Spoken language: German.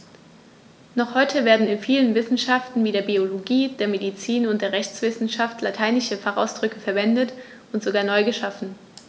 Noch heute werden in vielen Wissenschaften wie der Biologie, der Medizin und der Rechtswissenschaft lateinische Fachausdrücke verwendet und sogar neu geschaffen.